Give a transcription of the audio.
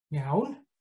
Iawn.